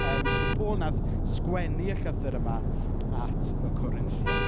Yym so Paul wnaeth sgwennu y llythyr yma at y Corinthiaid.